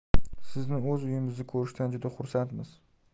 sizni o'z uyimizda ko'rishdan juda xursandmiz